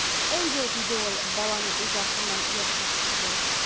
Әйдә,— диде ул, баланы үз артыннан ияртмөкче булып.